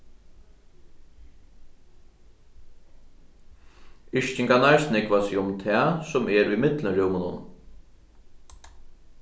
yrkingarnar snúgva seg um tað sum er í millumrúmunum